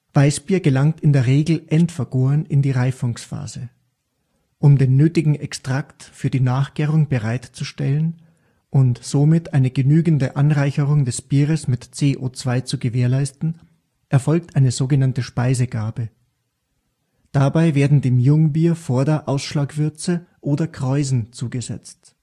Weißbier gelangt in der Regel endvergoren in die Reifungsphase. Um den nötigen Extrakt für die Nachgärung bereitzustellen und somit eine genügende Anreicherung des Bieres mit CO2 zu gewährleisten, erfolgt eine sogenannte Speisegabe. Dabei werden dem Jungbier Vorder -/ Ausschlagwürze oder Kräusen zugesetzt